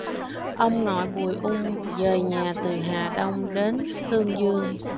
ông nội bùi ung dời nhà từ hà đông đến tương dương